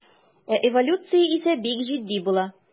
Ә эволюция исә бик җитди була.